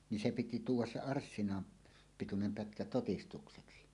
niin se piti tuoda se - arssinan pituinen pätkä todistukseksi